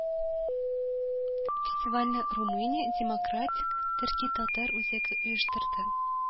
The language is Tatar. Фестивальне Румыния Демократик төрки-татар үзәге оештырды